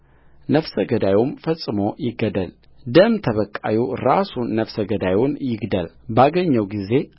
ነፍሰ ገዳዩም ፈጽሞ ይገደልደም ተበቃዩ ራሱ ነፍሰ ገዳዩን ይግደል ባገኘው ጊዜ